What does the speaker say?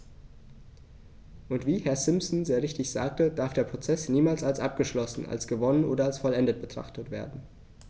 Und wie Herr Simpson sehr richtig sagte, darf der Prozess niemals als abgeschlossen, als gewonnen oder als vollendet betrachtet werden.